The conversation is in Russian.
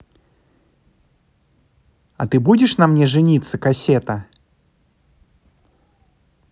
а ты будешь на мне женица кассета